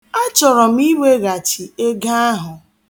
Achọrọ m iweghachi ego ahụ.